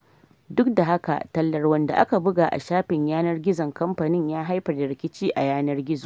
Duk da haka, tallar, wanda aka buga a shafin yanar gizon kamfanin, ya haifar da rikici a yanar gizo.